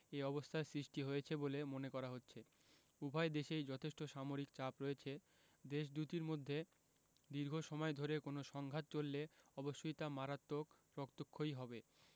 এ অবস্থার সৃষ্টি হয়েছে বলে মনে করা হচ্ছে উভয় দেশেই যথেষ্ট সামরিক চাপ রয়েছে দেশ দুটির মধ্যে দীর্ঘ সময় ধরে কোনো সংঘাত চললে অবশ্যই তা মারাত্মক রক্তক্ষয়ী হবে